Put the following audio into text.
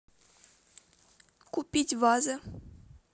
купить вазы